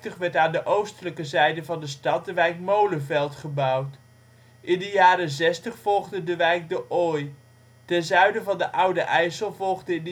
werd aan de oostelijke zijde van de stad de wijk Molenveld gebouwd. In de jaren zestig volgde de wijk De Ooi. Ten zuiden van de Oude IJssel volgden